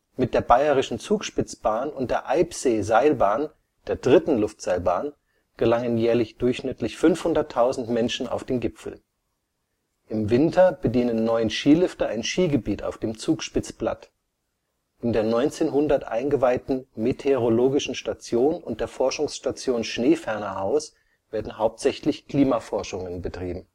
Mit der Bayerischen Zugspitzbahn und der Eibseeseilbahn, der dritten Luftseilbahn, gelangen jährlich durchschnittlich 500.000 Menschen auf den Gipfel. Im Winter bedienen neun Skilifte ein Skigebiet auf dem Zugspitzplatt. In der 1900 eingeweihten meteorologischen Station und der Forschungsstation Schneefernerhaus werden hauptsächlich Klimaforschungen betrieben